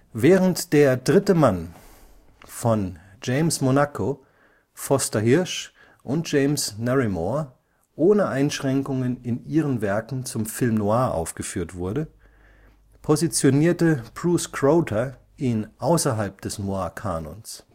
Während Der dritte Mann von James Monaco, Foster Hirsch und James Naremore ohne Einschränkungen in ihren Werken zum Film noir aufgeführt wurde, positionierte Bruce Crowther ihn „ außerhalb des Noir-Kanons